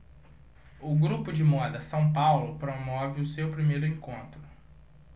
o grupo de moda são paulo promove o seu primeiro encontro